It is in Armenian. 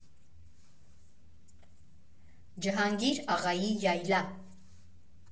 Ջհանգիր աղայի յայլա։